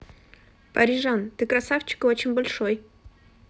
парижан ты красавчик и очень большой